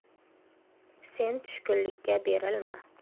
sen tushkunlikka berilma